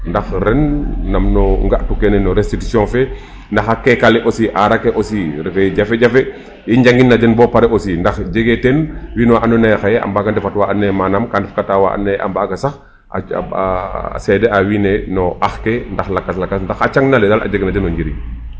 Ndax ren nam nu nge'tu kene no restitution fe ndax a keek ale aussi aaraa ke aussi refee jafe jafe i njangin a den bo pare aussi ndax jegee teen wiin wa andoona yee xaye a mbaaga ndefat wa andna yee manaam ka ndefkata wa andna yee a mbaaga sax a a seede a wiin we no ax ke ndax lakas lakas ndax a cangin ale daal a jega na den o njiriñ.===